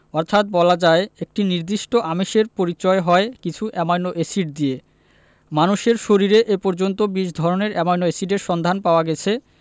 অর্থাৎ বলা যায় একটি নির্দিষ্ট আমিষের পরিচয় হয় কিছু অ্যামাইনো এসিড দিয়ে মানুষের শরীরে এ পর্যন্ত ২০ ধরনের অ্যামাইনো এসিডের সন্ধান পাওয়া গেছে